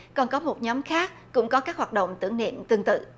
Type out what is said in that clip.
cần có một nhóm khác cũng có các hoạt động tưởng niệm tương tự